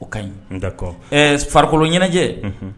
O ka ɲi ɛɛ farakolo ɲɛnajɛɛnɛ